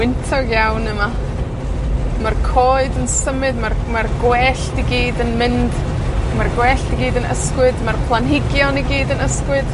wyntog iawn yma. Ma'r coed yn symud, ma'r, ma'r gwellt i gyd yn mynd. Ma'r gwellt i gyd yn ysgwyd, ma'r planhigion i gyd yn ysgwyd.